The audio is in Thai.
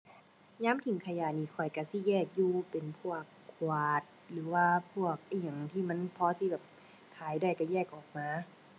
ยามทิ้งขยะนี่ข้อยก็สิแยกอยู่ เป็นพวกขวดหรือว่าพวกอิหยังที่มันพอสิแบบขายได้ก็แยกออกมา